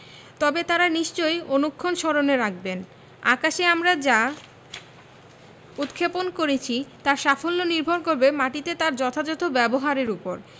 তবে তাঁরা নিশ্চয় অনুক্ষণ স্মরণে রাখবেন আকাশে আমরা যা উৎক্ষেপণ করেছি তার সাফল্য নির্ভর করবে মাটিতে তার যথাযথ ব্যবহারের ওপর